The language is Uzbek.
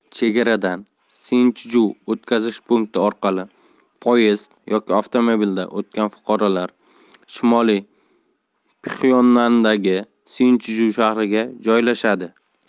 chegaradan siniychju o'tkazish punkti orqali poyezd yoki avtomobilda o'tgan fuqarolar shimoliy pxyonandagi siniychju shahriga joylashadi